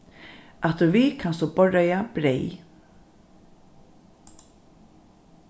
afturvið kanst tú borðreiða breyð